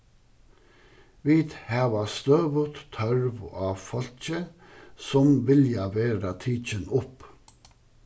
vit hava støðugt tørv á fólki sum vilja verða tikin upp